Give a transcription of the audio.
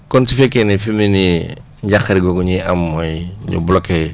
kon su fekkee ne fi mu ne nii njaqare googu ñuy am mooy ñu bloqué